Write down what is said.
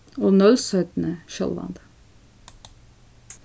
og nólsoynni sjálvandi